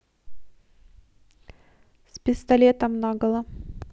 с пистолетом наголо